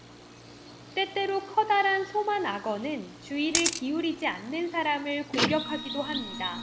때때로 커다란 소만악어는 주의를 기울이지 않는 사람을 공격하기도 합니다